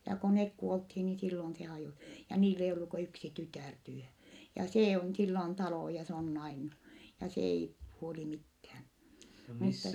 ja kun ne kuoltiin niin silloin se - ja niillä ei ollut kuin yksi tytär tyhjän ja se on sillä on talo ja se on nainut ja se ei huoli mitään mutta